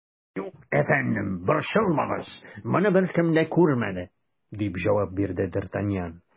Юк, әфәндем, борчылмагыз, моны беркем дә күрмәде, - дип җавап бирде д ’ Артаньян.